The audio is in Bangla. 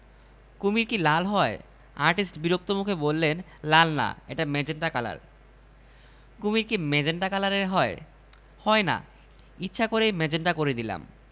এটার লেজ কোথায় লেজ আছে লেজটা বেঁকিয়ে শরীরের পেছনে রেখেছে বলে আপনি দেখতে পাচ্ছেন না লেজটা বেঁকিয়ে শরীরের পেছনে কেন রাখল জানতে পারি